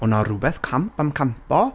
O' 'na rywbeth camp am campo.